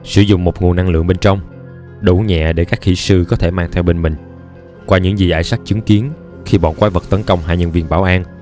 sử dụng một nguồn năng lượng bên trong đủ nhẹ để các kỹ sư có thể mang theo bên mình qua những gì isaac chứng kiến khi bọn quái vật tấn công nhân viên bảo an